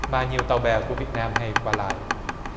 mà nhiều tàu bè của việt nam hay qua lải